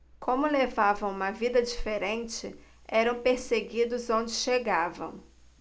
como levavam uma vida diferente eram perseguidos onde chegavam